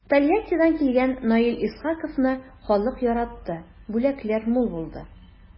Тольяттидан килгән Наил Исхаковны халык яратты, бүләкләр мул булды.